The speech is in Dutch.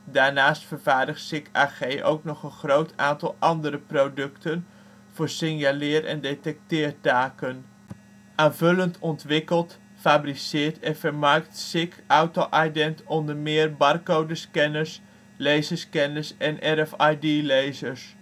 Daarnaast vervaardigt SICK AG ook nog een groot aantal andere producten voor signaleer - en detecteertaken. Aanvullend ontwikkelt, fabriceert en vermarkt SICK Auto Ident onder meer barcodescanners, laserscanners en RFID-lezers